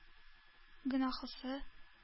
Гөнаһысы